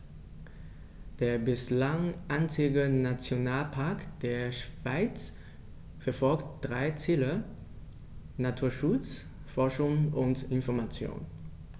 Der bislang einzige Nationalpark der Schweiz verfolgt drei Ziele: Naturschutz, Forschung und Information.